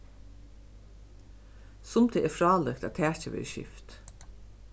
sum tað er frálíkt at takið verður skift